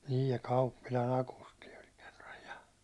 niin ja Kauppilan Akusti oli kerran ja